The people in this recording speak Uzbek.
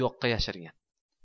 buyoqqa yashirgan